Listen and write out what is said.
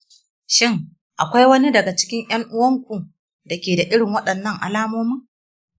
shin akwai wani daga cikin 'yan uwanku da ke da irin waɗannan alamomin?